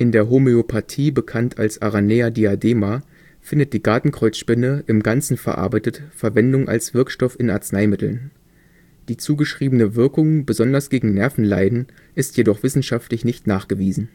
der Homöopathie bekannt als Aranea diadema, findet die Gartenkreuzspinne im Ganzen verarbeitet Verwendung als Wirkstoff in „ Arzneimitteln “. Die zugeschriebene Wirkung besonders gegen Nervenleiden ist jedoch wissenschaftlich nicht nachgewiesen